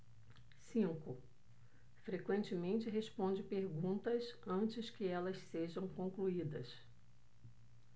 cinco frequentemente responde perguntas antes que elas sejam concluídas